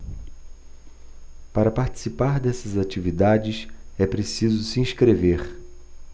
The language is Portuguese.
para participar dessas atividades é preciso se inscrever